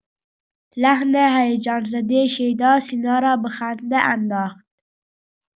لحن هیجان‌زده شیدا، سینا را به خنده انداخت.